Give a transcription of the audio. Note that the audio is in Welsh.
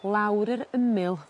lawr yr ymyl